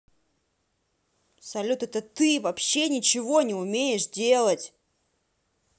салют это ты вообще ничего не умеешь делать